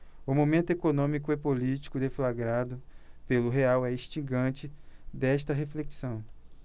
o momento econômico e político deflagrado pelo real é instigante desta reflexão